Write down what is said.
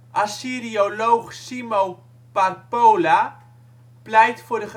Assyrioloog Simo Parpola pleit voor de